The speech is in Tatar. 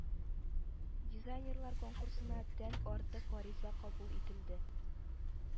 Дизайнерлар конкурсына тән артык гариза кабул ителде